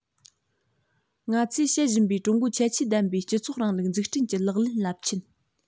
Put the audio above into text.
ང ཚོས བྱེད བཞིན པའི ཀྲུང གོའི ཁྱད ཆོས ལྡན པའི སྤྱི ཚོགས རིང ལུགས འཛུགས སྐྲུན གྱི ལག ལེན རླབས ཆེན